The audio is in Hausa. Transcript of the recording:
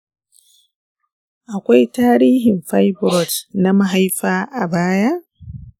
akwai tarihin fibroids na mahaifa a baya?